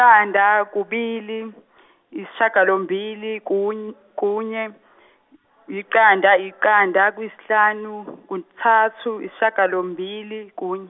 yiqanda kubili, yishagalombili kuny- kunye yiqanda yiqanda kuyisihlanu kuthathu yishagalombili kunye.